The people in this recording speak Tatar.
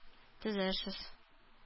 Төзәрсез